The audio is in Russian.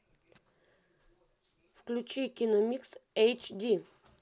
включи киномикс эйч ди